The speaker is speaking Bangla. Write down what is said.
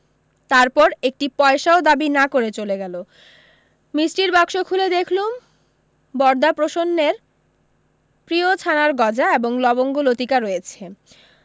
তারপর একটি পয়সাও দাবি না করে চলে গেলো মিষ্টির বাক্স খুলে দেখলুম বরদাপ্রসন্নের প্রিয় ছানার গজা এবং লবঙ্গ লতিকা রয়েছে